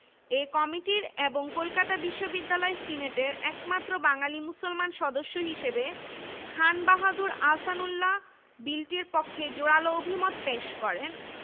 উপাচার্য ডিসেম্বরের ১০ তারিখে দায়িত্ব গ্রহণ করেন প্রতিষ্ঠাকাল থেকে এ পর্যন্ত ২৭ জন উপাচার্য দায়িত্ব পালন করেন ঢাকা বিশ্ববিদ্যালয়ের প্রথম কোষাধ্যক্ষ অবৈতনিক ছিলেন